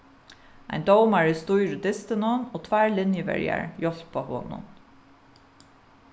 ein dómari stýrir dystinum og tveir linjuverjar hjálpa honum